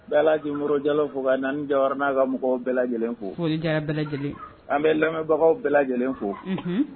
Bɛji mori jalo fo ka naani jayara n'a ka mɔgɔw bɛɛ lajɛlen fo foyija bɛɛ lajɛlen an bɛ lamɛnbagaw bɛɛ lajɛlen fo